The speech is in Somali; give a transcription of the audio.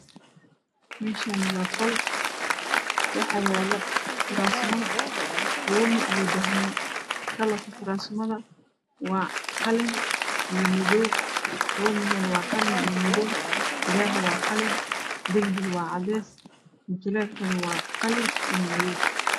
Mashan waa qol wax yalo fadhi oo kalar kisi yahay cades iyo madow dhulka waa cadan darbiga waa jale